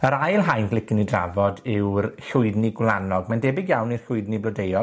Yr ail haint licen i drafod yw'r llwydni gwlanog. Mae'n debyg iawn i'r llwydni blodeuog.